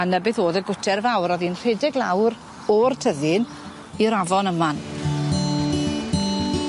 A 'na beth o'dd y gwter fawr a o'dd 'i'n rhedeg lawr o'r tyddyn i'r Afon Aman.